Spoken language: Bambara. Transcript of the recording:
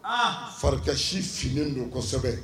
Aa, Farikan si finen don kosɛbɛ.